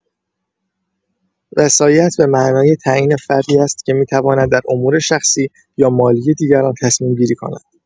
وصایت به معنای تعیین فردی است که می‌تواند در امور شخصی یا مالی دیگران تصمیم‌گیری کند.